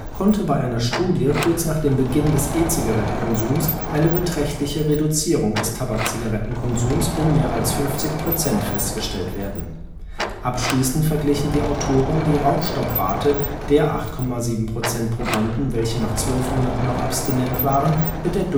konnte bei einer Studie kurz nach dem Beginn des E-Zigarettenkonsums eine beträchtliche Reduzierung des Tabakzigarettenkonsums, um mehr als 50 %, festgestellt werden. Abschließend verglichen die Autoren die Rauchstopprate der 8,7 % Probanden welche nach zwölf Monaten noch abstinent waren mit der